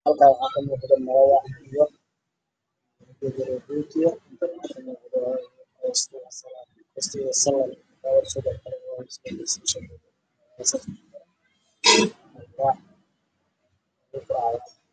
Halkaan waxaa ka muuqdo malawax iyo rooti